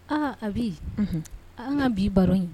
Aa a bi an ka bi baro ye